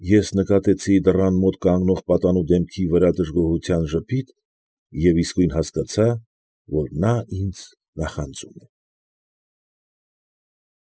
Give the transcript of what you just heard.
Ես նկատեցի դռան մոտ կանգնող պատանու դեմքի վրա դժգոհության ժպիտ և իսկույն հասկացա, որ նա ինձ նախանձում է։